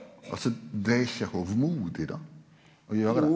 altså det er ikkje hovmodig då å gjere det?